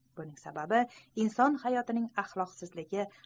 buning sababi inson hayotining axloqsizligi